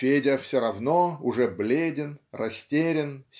Федя все равно уже бледен растерян